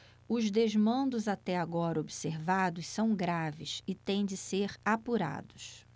os desmandos até agora observados são graves e têm de ser apurados